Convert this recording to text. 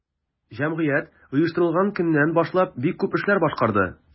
Җәмгыять оештырылган көннән башлап бик күп эшләр башкарды.